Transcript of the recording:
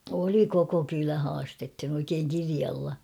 oli koko kylä haastettiin oikein kirjalla